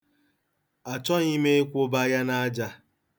Achọghị m ịkwụba ya n'aja.